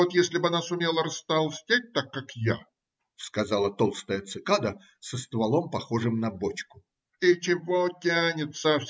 Вот если б она сумела растолстеть так, как я, – сказала толстая цикада, со стволом, похожим на бочку. – И чего тянется?